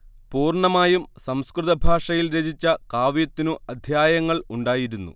പൂർണ്ണമായും സംസ്കൃതഭാഷയിൽ രചിച്ച കാവ്യത്തിനു അദ്ധ്യായങ്ങൾ ഉണ്ടായിരുന്നു